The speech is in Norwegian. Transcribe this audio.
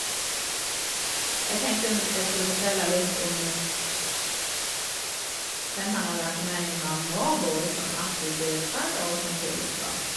Jeg tenkte en jeg skulle fortelle litt om Den har jeg vært med i i mange år, både som aktiv deltager og som tillitsvalgt.